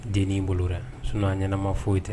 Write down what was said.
Den bolo la sun ɲɛnama foyi tɛ